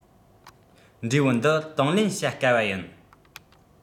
འབྲས བུ འདི དང ལེན བྱ དཀའ བ ཡིན